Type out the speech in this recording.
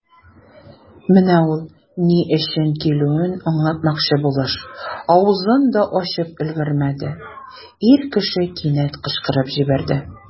Менә ул, ни өчен килүен аңлатмакчы булыш, авызын да ачып өлгермәде, ир кеше кинәт кычкырып җибәрде.